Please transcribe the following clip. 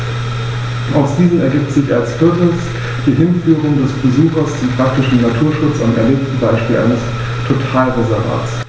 Aus diesen ergibt sich als viertes die Hinführung des Besuchers zum praktischen Naturschutz am erlebten Beispiel eines Totalreservats.